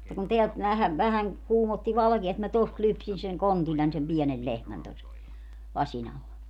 mutta kun täältä vähän vähän kuumotti valkea että minä tuosta lypsin sen kontillani sen pienen lehmän tuossa lasin alla